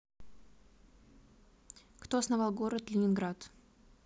кто основал город ленинград